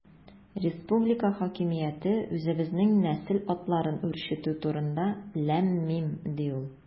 Республика хакимияте үзебезнең нәсел атларын үрчетү турында– ләм-мим, ди ул.